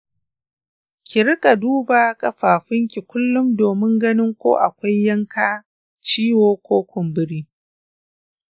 ki riƙa duba ƙafafunki kullum domin ganin ko akwai yanka, ciwo ko kumburi.